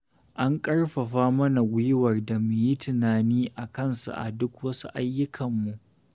'An ƙarfafa mana gwiwar da mu yi tunani a kansa a duk wasu ayyukanmu''.